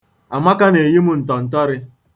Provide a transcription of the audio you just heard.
Amaka na-eyi m ntọntọrị.